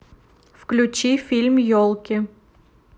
включи фильм елки